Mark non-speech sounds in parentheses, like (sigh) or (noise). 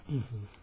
(hesitation) (hesitation)